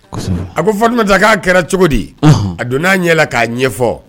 A ko fɔtumata k'a kɛra cogo di a donna n'a ɲɛ la k'a ɲɛ ɲɛfɔ